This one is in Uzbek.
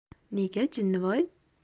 nega jinnivoy